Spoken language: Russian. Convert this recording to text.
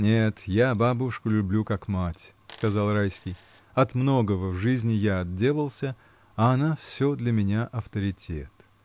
— Нет, я бабушку люблю, как мать, — сказал Райский, — от многого в жизни я отделался, а она всё для меня авторитет.